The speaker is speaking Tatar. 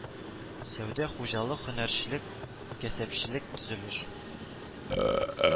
Сәүдә Хуҗалык Һөнәрчелек Кәсепчелек Төзелеш